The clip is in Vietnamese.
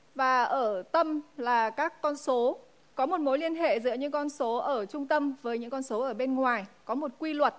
và ở tâm là các con số có một mối liên hệ giữa những con số ở trung tâm với những con số ở bên ngoài có một quy luật